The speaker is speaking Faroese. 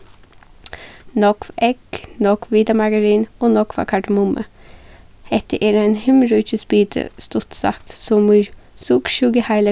nógv egg nógv vitamargarin og nógva kardamummu hetta er ein himmiríkis biti stutt sagt so sukursjúkuheili